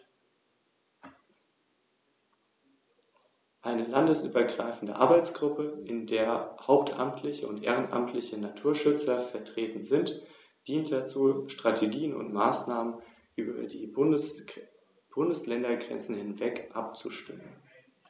Auffallend ist neben der für Adler typischen starken Fingerung der Handschwingen der relativ lange, nur leicht gerundete Schwanz.